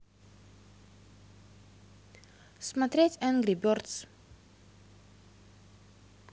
смотреть энгри бердс